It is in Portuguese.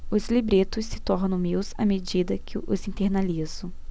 os libretos se tornam meus à medida que os internalizo